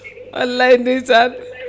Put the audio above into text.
wally ndeysan